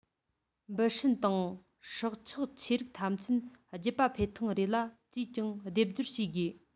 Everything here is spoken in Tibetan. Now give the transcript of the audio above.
འབུ སྲིན དང སྲོག ཆགས ཆེ རིགས ཐམས ཅད རྒྱུད པ འཕེལ ཐེངས རེ ལ ཅིས ཀྱང སྡེབ སྦྱོར བྱེད དགོས